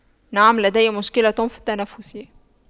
نعم لدي مشكلة في التنفس